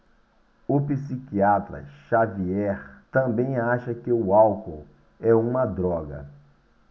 o psiquiatra dartiu xavier também acha que o álcool é uma droga